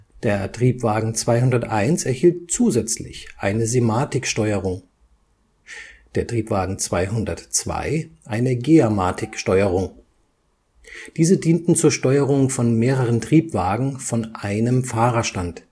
Der Triebwagen 201 erhielt zusätzlich eine Simatic-Steuerung, der Triebwagen 202 eine Geamatic-Steuerung. Diese dienten zur Steuerung von mehreren Triebwagen von einem Fahrerstand